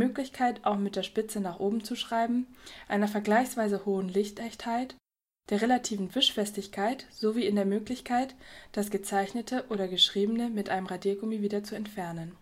Möglichkeit, auch mit der Spitze nach oben zu schreiben, einer vergleichsweise hohen Lichtechtheit, der relativen Wischfestigkeit sowie in der Möglichkeit, das Gezeichnete oder Geschriebene mit einem Radiergummi wieder zu entfernen